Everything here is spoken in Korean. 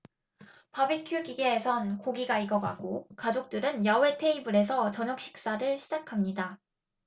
바비큐 기계에선 고기가 익어가고 가족들은 야외 테이블에서 저녁식사를 시작합니다